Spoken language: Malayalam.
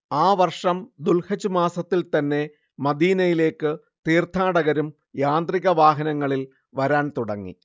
ആ വർഷം ദുൽഹജ്ജ് മാസത്തിൽ തന്നെ മദീനയിലേക്ക് തീർത്ഥാടകരും യാന്ത്രിക വാഹനങ്ങളിൽ വരാൻ തുടങ്ങി